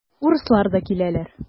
Урыслар да киләләр.